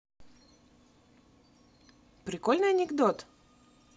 прикольный анекдот